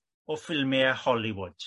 o ffilmie Hollywood.